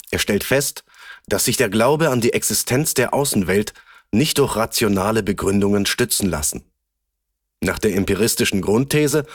Er stellt fest, dass sich der Glaube an die Existenz der Außenwelt nicht durch rationale Begründungen stützen lasse. Nach der empiristischen Grundthese